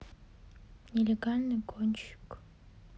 нелегальный гонщик